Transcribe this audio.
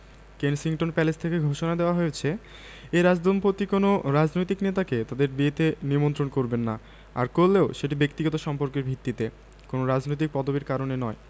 Kensington Palace থেকে ঘোষণা দেওয়া হয়েছে এই রাজদম্পতি কোনো রাজনৈতিক নেতাকে তাঁদের বিয়েতে নিমন্ত্রণ করবেন না আর করলেও সেটি ব্যক্তিগত সম্পর্কের ভিত্তিতে কোনো রাজনৈতিক পদবির কারণে নয়